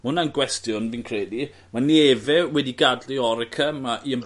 Ma' wnna;n gwestiwn fi'n credu ma' Nive wedi gadel i Orica ma' Ian...